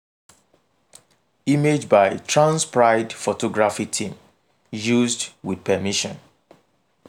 Image by Trans Pride Photography Team, used with permission.